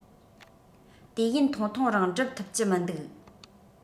དུས ཡུན ཐུང ཐུང རིང འགྲུབ ཐུབ ཀྱི མི འདུག